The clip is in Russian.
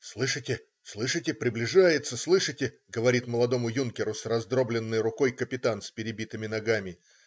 "Слышите, слышите, приближается, слышите!" - говорит молодому юнкеру с раздробленной рукой капитан с перебитыми ногами.